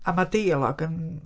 A mae'r deialog yn...